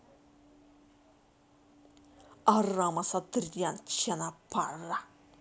арам асатрян chanaparh